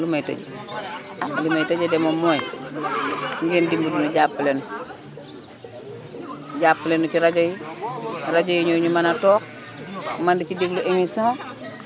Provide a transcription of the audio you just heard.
lu may tëjee lu may tëjee de moom mooy ngeen dimbale ñu jàppale ñu jàppaleñu ci rajo yi rajo yi ñëw ñu mën a toog man di ci déglu émission